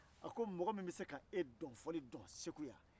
a ko mɔgɔ min bɛ se ka e dɔn fɔli dɔn segu yan